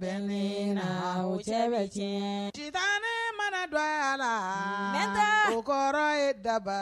Le cɛ bɛ tiɲɛ sisantan ne mana don a la ne tɛ kɔrɔ ye daba